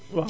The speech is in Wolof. waaw